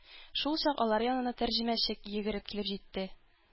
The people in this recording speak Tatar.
Шулчак алар янына тәрҗемәче йөгереп килеп җитте.